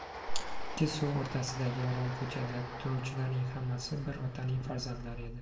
ikki suv o'rtasidagi orol ko'chada turuvchilarning hammasi bir otaning farzandlari edi